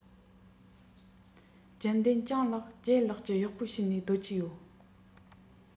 རྒྱུན ལྡན སྤྱང ལགས ལྗད ལགས ཀྱི གཡོག པོ བྱས ནས སྡོད ཀྱི ཡོད